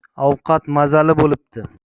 ovqat mazali bo'libdi